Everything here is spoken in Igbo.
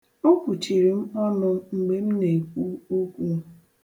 O kwuchiri m ọnụ mgbe m na-ekwu okwu.